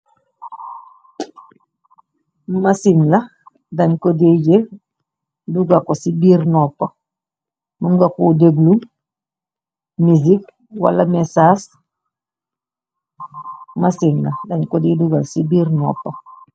Machine la deñ ko diy jel dugal ko ci biir noppa mun nga ku dëglu music wala messas machine la deñ ko de dugal si biir noppa.